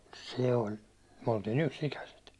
se oli me oltiin yksi-ikäiset